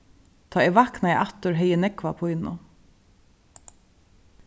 tá eg vaknaði aftur hevði eg nógva pínu